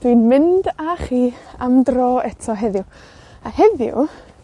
Dwi'n mynd â chi am dro eto heddiw, a heddiw,